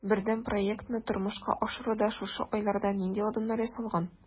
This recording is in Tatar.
Бердәм проектны тормышка ашыруда шушы айларда нинди адымнар ясалган?